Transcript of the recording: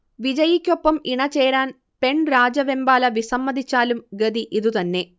വിജയിക്കൊപ്പം ഇണചേരാൻ പെൺരാജവെമ്പാല വിസമ്മതിച്ചാലും ഗതി ഇതുതന്നെ